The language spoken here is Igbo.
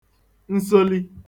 nsoli